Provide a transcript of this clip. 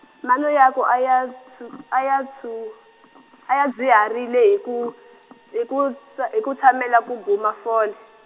mano yaku aya tshu, a ya tshu , a ya dzwiharile hi ku, hi ku tsha, hi ku tshamela ku guma fole.